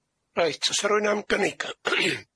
Reit, o's 'a rywun am gynnig?